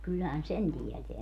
kyllähän sen tietää